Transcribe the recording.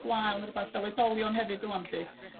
gwael neu r'wbath fel oedolion hefyd rwan 'llu